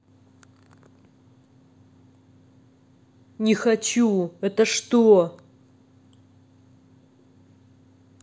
не хочу это что